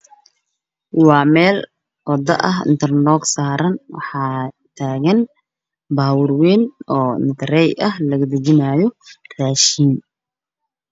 Waa meel wado ah oo intarloog saaran waxaa taagan gaari wayn oo indhotaree ah oo laga dajinaayo raashin.